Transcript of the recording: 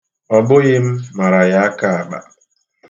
Ọ bụghị m mara ya akaakpa.